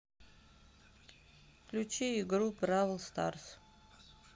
включи игру бравл старс